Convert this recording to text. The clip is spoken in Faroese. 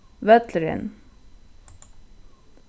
vøllurin